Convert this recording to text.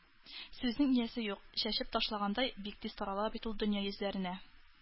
Сүзнең иясе юк, чәчеп ташлагандай, бик тиз тарала бит ул дөнья йөзләренә.